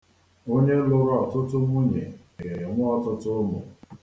Onye lụrụ ọtụtụ nwunye ga-enwe ọtụtụ ụmụ.